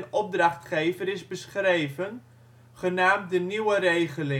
opdrachtgever is beschreven, genaamd De Nieuwe Regeling, DNR 2005